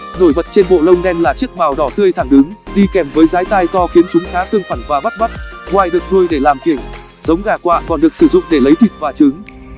nổi bật trên bộ lông đen là chiếc mào đỏ tươi thẳng đứng đi kèm với dái tai to khiến chúng khá tương phản và bắt mắt ngoài được nuôi để làm kiểng giống gà quạ còn được sử dụng để lấy thịt và trứng